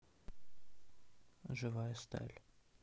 живая сталь